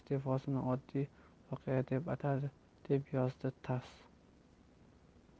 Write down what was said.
iste'fosini oddiy voqea deb atadi deb yozadi tass